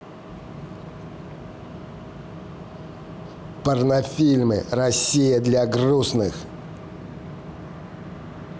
порнофильмы россия для грустных